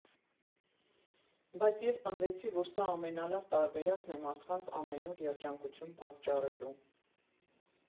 Բայց ես պնդեցի, որ սա ամենալավ տարբերակն է մարդկանց ամեն օր երջանկություն պատճառելու»։